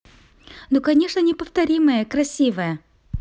ну конечно неповторимая красивая